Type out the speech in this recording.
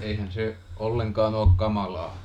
eihän se ollenkaan ole kamalaa